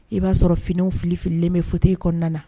I b'a sɔrɔ finiw filifilen bɛ fauteils kɔnɔna na